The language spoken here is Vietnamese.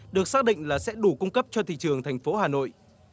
được xác định là sẽ đủ cung cấp cho thị trường thành phố hà nội